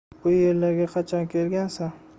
bu yerlarga qachon kelgansan